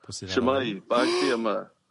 Pwy sy 'na? Shwmai Bagsi yma.